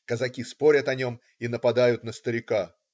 Казаки спорят о нем и нападают на старика.